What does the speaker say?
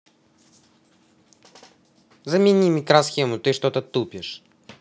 замени микросхему ты что то тупишь